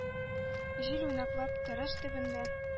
Җил, уйнаклап, тәрәз төбендә